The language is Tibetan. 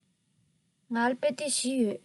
ང ལ དཔེ དེབ བཞི ཡོད